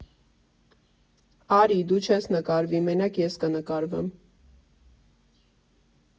֊ Արի, դու չես նկարվի, մենակ ես կնկարվեմ…